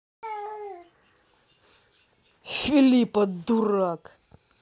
филиппа дурак